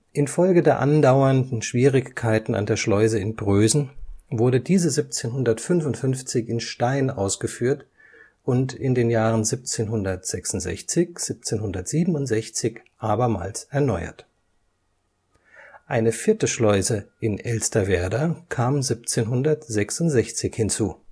Infolge der andauernden Schwierigkeiten an der Schleuse in Prösen wurde diese 1755 in Stein ausgeführt und in den Jahren 1766 / 67 abermals erneuert. Eine vierte Schleuse in Elsterwerda kam 1766 hinzu